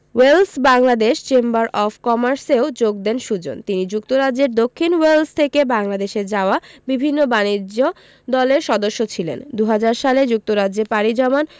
Wales Bangladesh chamber of কমার্সেও যোগ দেন সুজন তিনি যুক্তরাজ্যের দক্ষিণ ওয়েলস থেকে বাংলাদেশে যাওয়া বিভিন্ন বাণিজ্য দলের সদস্য ছিলেন ২০০০ সালে যুক্তরাজ্যে পাড়ি জমান